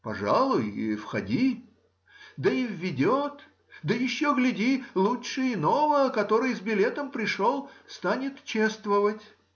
пожалуй, входи, да и введет, да еще, гляди, лучше иного, который с билетом пришел, станет чествовать.